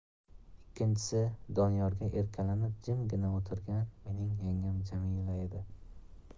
ikkinchisi donyorga erkalanib jimgina o'tirgan mening yangam jamila edi